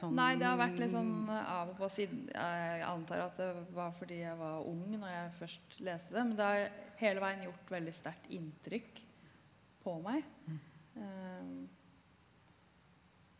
nei det har vært litt sånn av og på siden jeg antar at det var fordi jeg var ung når jeg først leste det, men det har hele veien gjort veldig sterkt inntrykk på meg .